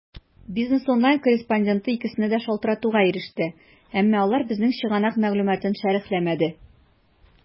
"бизнес online" корреспонденты икесенә дә шалтыратуга иреште, әмма алар безнең чыганак мәгълүматын шәрехләмәде.